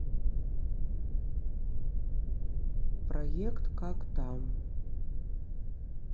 проект как там